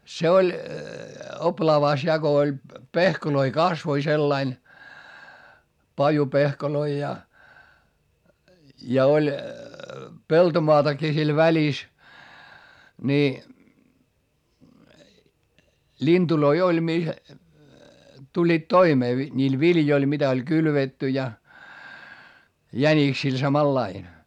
se oli oplaavassa ja kun oli pehkoja kasvoi sillä lailla pajupehkoja ja ja oli peltomaatakin siellä välissä niin lintuja oli - tulivat toimeen - niillä viljoilla mitä oli kylvetty ja jäniksillä samalla lailla